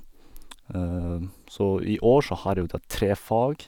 Så i år så har jeg jo tatt tre fag.